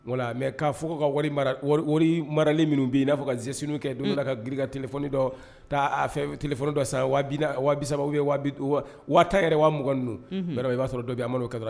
Mɛ k'a fɔ ka wari wari marali minnu b' yen n'a ka zesin kɛ don ka gika tfoni dɔ taa fɛ telef dɔ sa sababu ye waa yɛrɛ waaugan ninnu i b'a sɔrɔ don bɛ a amadu' o kɛra